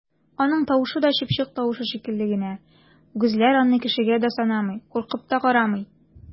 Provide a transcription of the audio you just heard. Аның тавышы да чыпчык тавышы шикелле генә, үгезләр аны кешегә дә санамый, куркып та карамый!